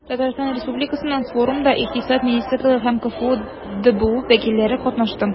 Татарстан Республикасыннан форумда Икътисад министрлыгы һәм КФҮ ДБУ вәкилләре катнашты.